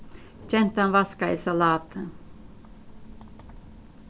gentan vaskaði salatið